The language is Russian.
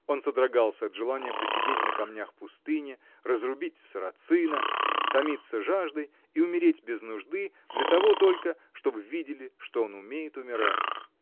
Он содрогался от желания посидеть на камнях пустыни, разрубить сарацина, томиться жаждой и умереть без нужды, для того только, чтоб видели, что он умеет умирать.